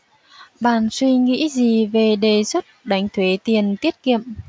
bạn suy nghĩ gì về đề xuất đánh thuế tiền tiết kiệm